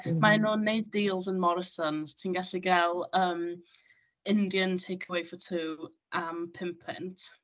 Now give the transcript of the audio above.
Maen nhw'n wneud deals yn Morrisons. Ti'n gallu gael, yym, Indian takeaway for two am pump punt.